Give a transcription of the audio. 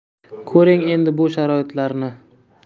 ko'ring endi bu sharoitlarni